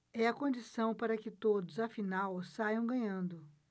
é a condição para que todos afinal saiam ganhando